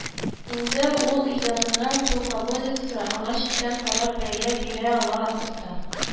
Инде ул үз иҗатының «полководецы», аңа читтән карап бәя бирә ала, оста